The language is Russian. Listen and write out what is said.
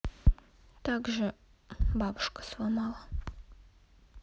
также бабушка сломала